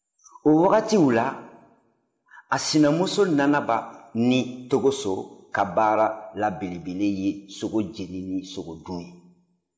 o wagatiw la a sinamuso nanaba ni togoso ka baara la belebele ye sogojeni ni sogodun